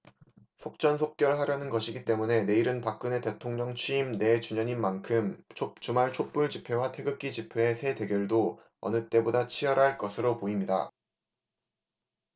속전속결 하려는 것이기 때문에 내일은 박근혜 대통령 취임 네 주년인 만큼 주말 촛불집회와 태극기집회의 세 대결도 어느 때보다 치열할 것으로 보입니다